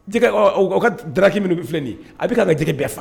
Jɛgɛ ka daraki min bɛ filɛ a bɛ k ka ka jɛgɛ bɛɛ faga